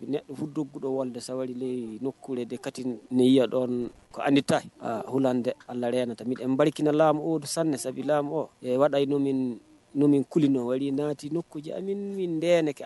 Fu dɔugudawaledasa' kolɛ de kati ni yadɔn ko an ta tɛ a laadaya nabarikinala o sasa lamɔbɔ wadayi ye n ko nɔn o nati ni ko tɛ ne kɛ